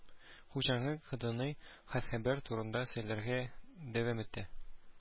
Хуҗаның хатыны хат-хәбәр турында сөйләргә дәвам итте